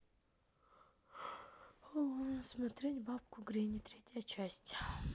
смотреть бабку гренни третья часть